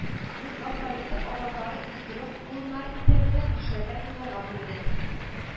Рус алфавиты авазлары йодрык буыннары исәбеннән бишәрләп юлларга бүленә